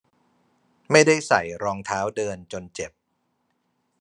ไม่ได้ใส่รองเท้าเดินจนเจ็บ